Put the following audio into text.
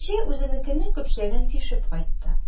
Кичә үзенекенең көпчәген тишеп кайтты.